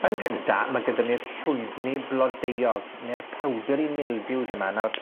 Yn gynta, ma' gyda ni'r llwydni blodeuog ne'r powdery mildews yma, nawr,